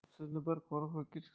sizni bir qora ho'kiz